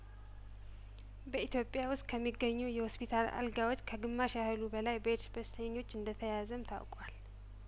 በኢትዮጵያ ውስጥ ከሚገኙ የሆስፒታል አልጋዎች ከግማሽ ያህሉ በላይ በኤድስ በስተኞች እንደተያዘም ታውቋል